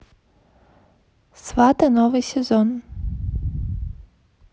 сваты новый сезон